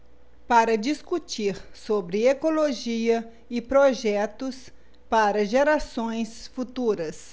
para discutir sobre ecologia e projetos para gerações futuras